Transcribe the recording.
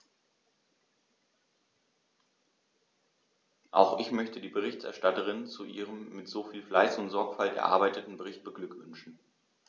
Auch ich möchte die Berichterstatterin zu ihrem mit so viel Fleiß und Sorgfalt erarbeiteten Bericht beglückwünschen.